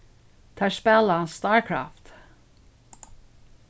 teir spæla starcraft